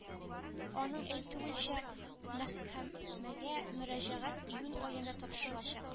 Аның әйтүенчә мәхкамәгә мөрәҗәгать июнь аенда тапшырылачак